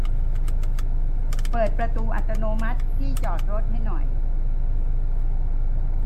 เปิดประตูอัตโนมัติที่จอดรถให้หน่อย